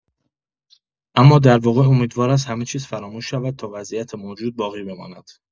اما در واقع امیدوار است همه‌چیز فراموش شود تا وضعیت موجود باقی بماند.